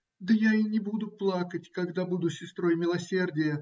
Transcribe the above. - Да я и не буду плакать, когда буду сестрой милосердия.